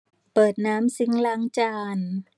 เปิดน้ำซิงค์ล้างจาน